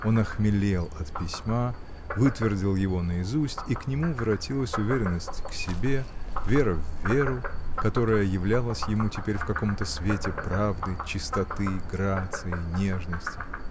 Он охмелел от письма, вытвердил его наизусть — и к нему воротилась уверенность в себе, вера в Веру, которая являлась ему теперь в каком-то свете правды, чистоты, грации, нежности.